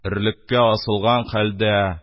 Өрлеккә асылган хәлдә,